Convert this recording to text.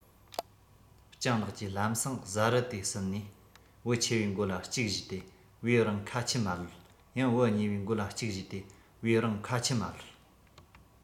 སྤྱང ལགས ཀྱིས ལམ སེང བཟའ རུ དེ ཟིན ནས བུ ཆེ བའི མགོ ལ གཅིག ཞུས ཏེ བེའུ རང ཁ ཆུ མ གློད ཡང བུ གཉིས པའི མགོ ལ གཅིག ཞུས ཏེ བེའུ རང ཁ ཆུ མ གློད